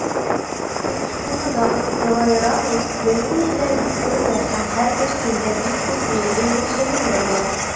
Тик шуны да онытырга ярамый, безнең илләр бик төрле һәм һәрберсендә бик күп милли үзенчәлекләр бар.